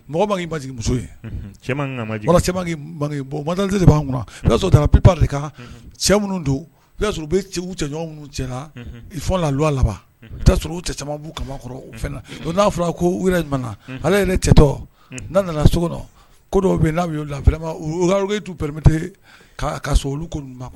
Mɔgɔ maimusod de b'an kɔnɔ p de kan cɛ minnu don u cɛ minnu cɛla i fɔ lalu a laban u cɛ kama kɔrɔ n'a fɔra ko in ale ye ne cɛtɔ' nana so kɔnɔ ko dɔw bɛ n'a'o la ma pmete ka so olu kuwa